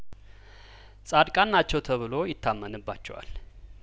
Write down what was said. ጻድቃን ናቸው ተብሎ ይታመንባቸዋል